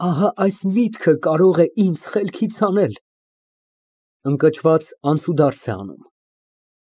Ահ, այս միտքը կարող է ինձ խելքից հանել։ (Ընկճված անցուդարձ է անում։